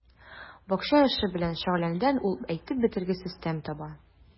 Бакча эше белән шөгыльләнүдән ул әйтеп бетергесез тәм таба.